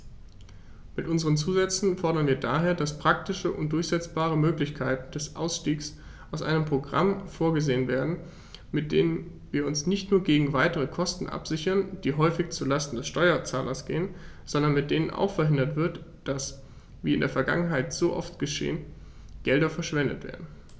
Mit unseren Zusätzen fordern wir daher, dass praktische und durchsetzbare Möglichkeiten des Ausstiegs aus einem Programm vorgesehen werden, mit denen wir uns nicht nur gegen weitere Kosten absichern, die häufig zu Lasten des Steuerzahlers gehen, sondern mit denen auch verhindert wird, dass, wie in der Vergangenheit so oft geschehen, Gelder verschwendet werden.